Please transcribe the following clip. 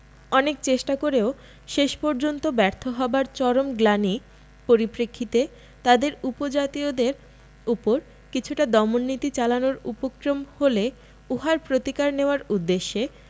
অনেক চেষ্টা করেও শেষ পর্যন্ত ব্যর্থ হবার চরম গ্লানির পরিপ্রেক্ষিতে তাদের উপজাতীয়দের ওপর কিছুটা দমন নীতি চালানোর উপক্রম হলে উহার প্রতিকার নেয়ার উদ্দেশে